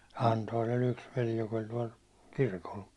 Anton oli yksi veli joka oli tuolla kirkolla